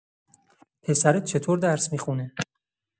پسرت چطور درس می‌خونه؟